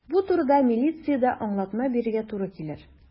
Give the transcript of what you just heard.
Бу турыда милициядә аңлатма бирергә туры килер.